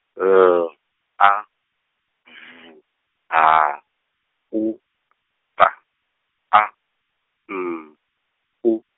L, A, V, H, U, T, A, N, U.